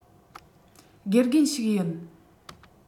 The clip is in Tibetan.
དགེ རྒན ཞིག ཡིན